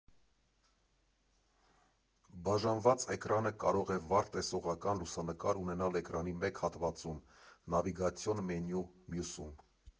Բաժանված էկրանը կարող է վառ տեսողական լուսանկար ունենալ էկրանի մեկ հատվածում, նավիգացիոն մենյու՝ մյուսում։